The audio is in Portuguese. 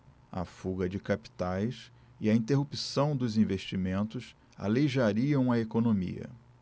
a fuga de capitais e a interrupção dos investimentos aleijariam a economia